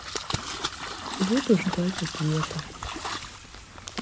буду ждать ответа